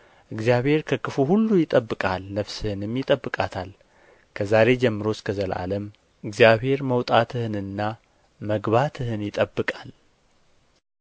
እግዚአብሔር ከክፉ ሁሉ ይጠብቅሃል ነፍስህንም ይጠብቃታል ከዛሬ ጀምሮ እስከ ዘላለም እግዚአብሔር መውጣትህና መግባትህን ይጠብቃል